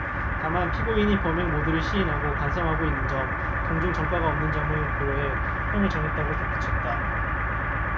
다만 피고인이 범행 모두를 시인하고 반성하고 있는 점 동종 전과가 없는 점 등을 고려해 형을 정했다고 덧붙였다